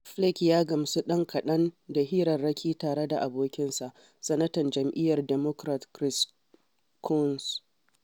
Flake ya gamsu ɗan kaɗan da hirarraki tare da abokinsa, Sanatan jam’iyyar Democrat Chris Coons.